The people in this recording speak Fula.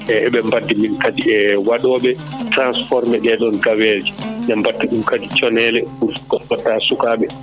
e eɓe bddi min kadi e waɗoɓe transformé ɗeɗon gaweje ɓe batta ɗum kadi coonele pour ko kokka suukaɓe